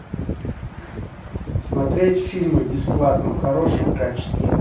смотреть фильмы бесплатно в хорошем качестве